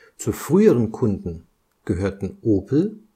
Zu früheren Kunden gehörten Opel